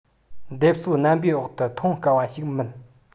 འདེབས གསོའི རྣམ པའི འོག ཏུ མཐོང དཀའ བ ཞིག མིན